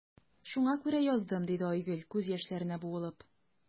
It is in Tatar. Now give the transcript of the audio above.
Шуңа күрә яздым,– диде Айгөл, күз яшьләренә буылып.